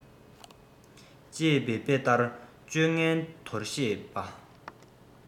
ཅེས པའི དཔེ ལྟར སྤྱོད ངན འདོར ཤེས པ